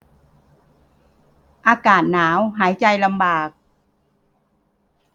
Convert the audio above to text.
อากาศหนาวหายใจลำบาก